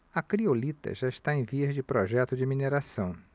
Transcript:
a criolita já está em vias de projeto de mineração